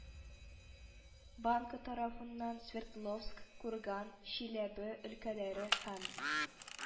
Банкы тарафыннан свердловск, курган, чиләбе өлкәләре һәм